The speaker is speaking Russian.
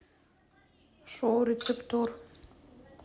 шоу рецептор